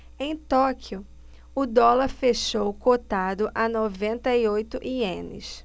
em tóquio o dólar fechou cotado a noventa e oito ienes